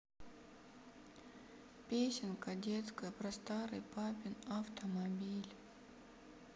песенка детская про старый папин автомобиль